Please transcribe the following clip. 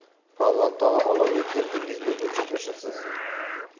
polvon tog'a olovga keldingizmi muncha shoshasiz